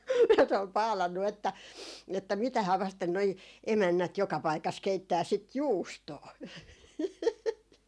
ja se oli paalannut että että mitähän vasten nuo emännät joka paikassa keittää sitä juustoa